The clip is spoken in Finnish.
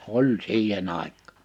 oli siihen aikaan